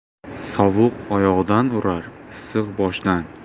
sovuq oyoqdan urar issiq boshdan